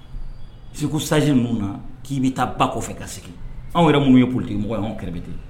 Segu saji ninnu na k'i bɛ taa ba kɔfɛ ka sigi anw yɛrɛ mun ye p mɔgɔ anw kɛrɛfɛ ten